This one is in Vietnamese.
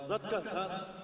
rất cẩn thận